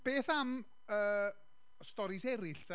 Beth am yy, storis eraill, ta?